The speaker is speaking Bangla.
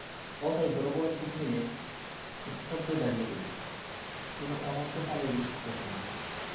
ও তাই বড় বড় চোখ মেলে নিস্তব্ধ দাঁড়িয়ে রইল যেন অনন্তকালেরই প্রতিমা